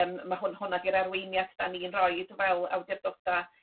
Yym ma' hwn... hwnna 'di'r arweiniad 'dan ni'n roid fel awdurdoda